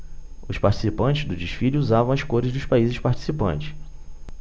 os participantes do desfile usavam as cores dos países participantes